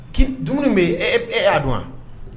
Dumuni bɛ e y'a dɔn wa